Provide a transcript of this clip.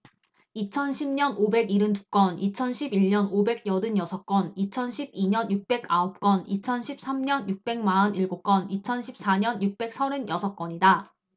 이천 십 년 오백 일흔 두 건 이천 십 일 년 오백 여든 여섯 건 이천 십 이 년 육백 아홉 건 이천 십 삼 년 육백 마흔 일곱 건 이천 십 사 년 육백 서른 여섯 건이다